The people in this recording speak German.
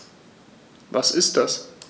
Was ist das?